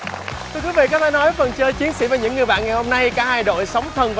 thưa quý vị có thể nói phần chơi chiến sĩ với những người bạn ngày hôm nay cả hai đội sóng thần